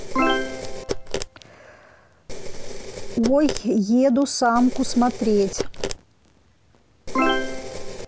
ой еду самку смотреть